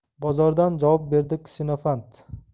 bozordan javob berdi ksenofant